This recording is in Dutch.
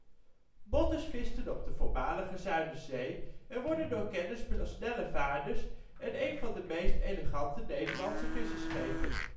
Botters visten op de voormalige Zuiderzee en worden door kenners beschouwd als snelle vaarders en een van de meest elegante Nederlandse vissersschepen